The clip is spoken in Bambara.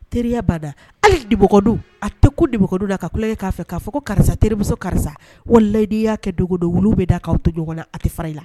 Teriyabada ali dedu a tɛ ko dimɔgɔ la ka ku k'a fɛ k'a fɔ ko karisa teriremuso karisa wali layidiyaa kɛ dogo dɔ wulu bɛ da k'aw to ɲɔgɔn la a tɛ fari la